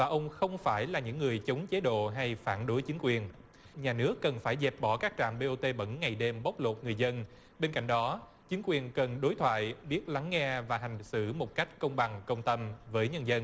và ông không phải là những người chống chế độ hay phản đối chính quyền nhà nước cần phải dẹp bỏ các trạm bê ô tê bẩn ngày đêm bóc lột người dân bên cạnh đó chính quyền cần đối thoại biết lắng nghe và hành xử một cách công bằng công tâm với nhân dân